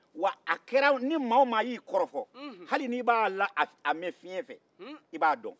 wa kɛra ni maa o maa y'i kɔrɔfɔ hali ni b'a mɛn fiɲɛfɛ i b'a don